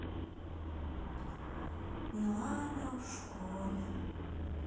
милана в школе